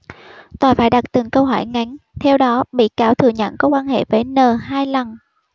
tòa phải đặt từng câu hỏi ngắn theo đó bị cáo thừa nhận có quan hệ với n hai lần